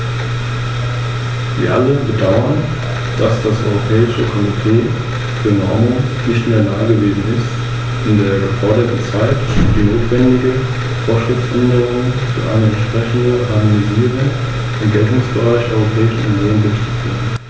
Der Vorschlag der Kommission führt nicht zur Schaffung eines einheitlichen, EU-weiten Patents gemäß Artikel 118, und die verstärkte Zusammenarbeit wirkt sich auf die Unternehmensgründung und den freien Kapitalverkehr negativ aus.